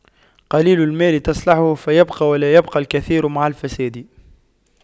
قليل المال تصلحه فيبقى ولا يبقى الكثير مع الفساد